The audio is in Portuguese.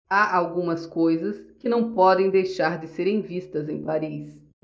há algumas coisas que não podem deixar de serem vistas em paris